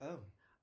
O.